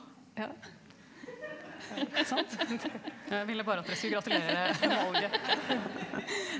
ja jeg ville bare at dere skulle gratulere med valget.